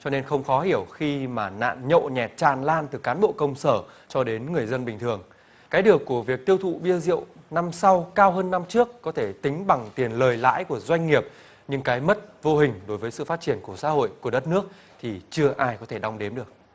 cho nên không khó hiểu khi mà nạn nhậu nhẹt tràn lan từ cán bộ công sở cho đến người dân bình thường cái được của việc tiêu thụ bia rượu năm sau cao hơn năm trước có thể tính bằng tiền lời lãi của doanh nghiệp nhưng cái mất vô hình đối với sự phát triển của xã hội của đất nước thì chưa ai có thể đong đếm được